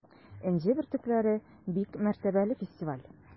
“энҗе бөртекләре” - бик мәртәбәле фестиваль.